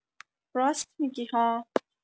راست می‌گی ها